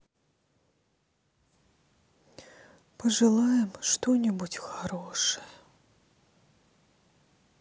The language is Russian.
пожелаем что нибудь хорошее